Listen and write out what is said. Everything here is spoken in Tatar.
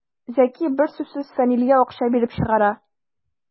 Зәки бер сүзсез Фәнилгә акча биреп чыгара.